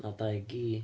Na, dau gi.